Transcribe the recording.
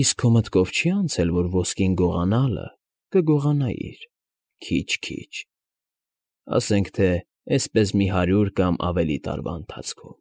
Իսկ քո մտքով չի՞ անցել, որ ոսկին գողանալը՝ կգողանայիր, քիչ֊քիչ, ասենք թե էսպես մի հարյուր կամ ավելի տարվա ընթացքում,